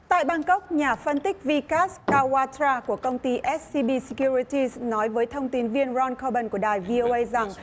tại bang cốc nhà phân tích vi cát ca goa tra của công ty ét siu bi sờ cưu lây thi nói với thông tin viên ron co bần của đài vi ô ây rằng